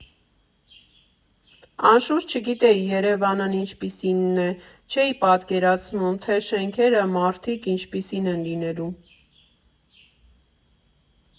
Անշուշտ, չգիտեի Երևանն ինչպիսինն է, չէի պատկերացնում, թե շենքերը, մարդիկ ինչպիսին են լինելու։